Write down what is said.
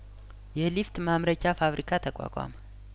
የሊፍት ማምረቻ ፋብሪካ ተቋቋመ